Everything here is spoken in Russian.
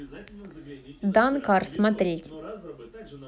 данкар смотреть